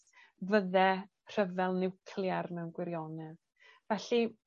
fydde rhyfel niwclear mewn gwirionedd. Felly